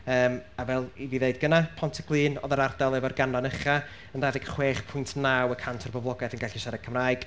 yym a fel i fi ddeud gynna Pontyclun oedd yr ardal efo'r ganran ucha yn dau ddeg chwech pwynt naw y cant o'r boblogaeth yn gallu siarad Cymraeg.